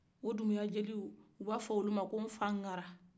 o dumbuyajeliw o b'a fɔ olu ma ko nfaŋara